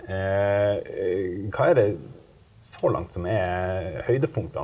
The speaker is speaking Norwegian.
hva er det så langt som er høydepunktene?